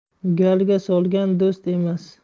galga solgan do'st emas